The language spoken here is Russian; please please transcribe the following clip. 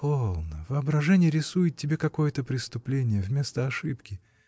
— Полно: воображение рисует тебе какое-то преступление вместо ошибки.